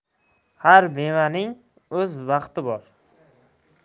har mevaning o'z vaqti bor